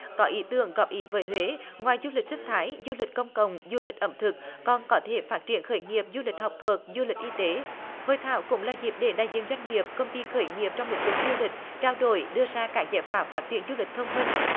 có ý tưởng góp ý bởi huế ngoài du lịch sinh thái du lịch công cộng du lịch ẩm thực còn có thể phát triển khởi nghiệp du lịch học thuật du lịch y tế hội thảo cũng là dịp để đại diện doanh nghiệp công ty khởi nghiệp trong lĩnh vực du lịch trao đổi đưa ra các giải pháp phát triển du lịch thông minh